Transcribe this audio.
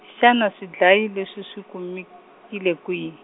xana swidlayi leswi swi kumekile kwihi?